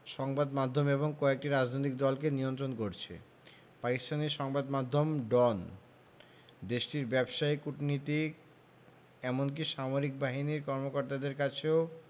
সংবাদ মাধ্যম এবং কয়েকটি রাজনৈতিক দলকে নিয়ন্ত্রণ করছে পাকিস্তানি সংবাদ মাধ্যম ডন দেশটির ব্যবসায়ী কূটনীতিক এমনকি সামরিক বাহিনীর কর্মকর্তাদের কাছেও